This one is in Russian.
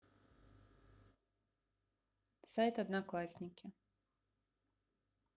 сайт одноклассники